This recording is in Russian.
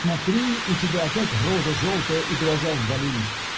Смотри, у тебя опять рожа желтая и глаза ввалились!